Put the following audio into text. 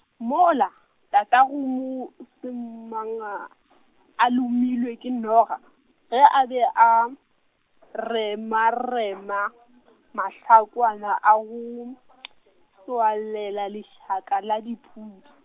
mola , tatago moo semanga- , a lomilwe ke noga, ge a be a, remarema , mahlakwana a go , tswalela lešaka la, dipudi.